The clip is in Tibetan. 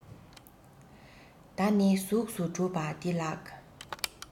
ད ནི གཟུགས སུ གྲུབ པ འདི ལགས